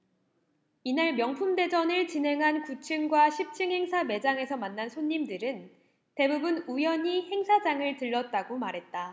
이날 명품대전을 진행한 구 층과 십 층 행사 매장에서 만난 손님들은 대부분 우연히 행사장을 들렀다고 말했다